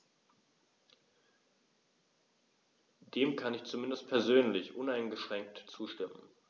Dem kann ich zumindest persönlich uneingeschränkt zustimmen.